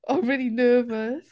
I'm really nervous.